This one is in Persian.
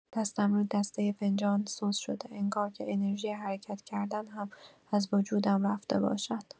دستم روی دستۀ فنجان سست شده، انگار که انرژی حرکت‌کردن هم از وجودم رفته باشد.